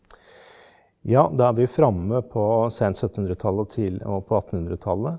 ja da er vi jo framme på sent syttenhundretall og og på attenhundretallet.